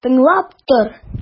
Тыңлап тор!